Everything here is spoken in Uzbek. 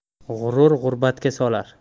g'urur g'urbatga solar